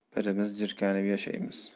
birimiz jirkanib yashaymiz